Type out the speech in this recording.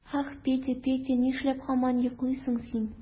Ах, Петя, Петя, нишләп һаман йоклыйсың син?